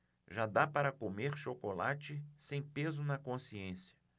já dá para comer chocolate sem peso na consciência